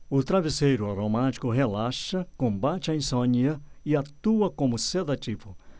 o travesseiro aromático relaxa combate a insônia e atua como sedativo